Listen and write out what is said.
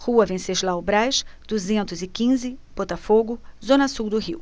rua venceslau braz duzentos e quinze botafogo zona sul do rio